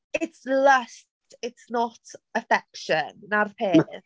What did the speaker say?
It's lust, it's not affection 'na'r peth.